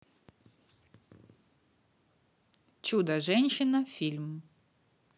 чудо женщина фильм